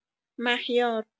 مهیار